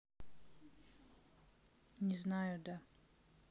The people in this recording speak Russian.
не знаю да